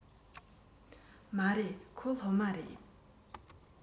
མ རེད ཁོ སློབ མ རེད